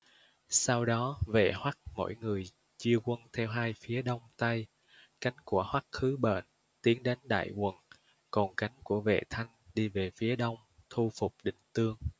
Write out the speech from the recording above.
sau đó vệ hoắc mỗi người chia quân theo hai phía đông tây cánh của hoắc khứ bệnh tiến đánh đại quận còn cánh của vệ thanh đi về phía đông thu phục định tương